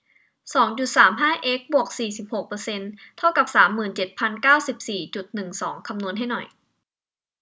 สองจุดสามห้าเอ็กซ์บวกสี่สิบหกเปอร์เซนต์เท่ากับสามหมื่นเจ็ดพันเก้าสิบสี่จุดหนึ่งสองคำนวณให้หน่อย